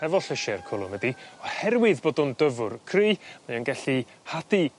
hefo llysie'r cwlwm ydi oherwydd bod o'n dyfwr cry mae e'n gellu hadu